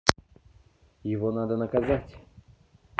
его надо наказать